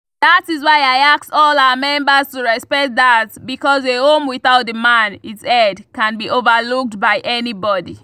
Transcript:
That is why I ask all our members to respect that because a home without the man (its head) can be overlooked by anybody.